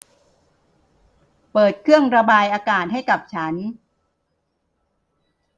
เปิดเครื่องระบายอากาศให้กับฉัน